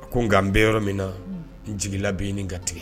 A ko n nka n bɛɛ yɔrɔ min na n jigi labɛn bɛ ni nkatigɛ